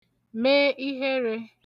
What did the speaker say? me iherē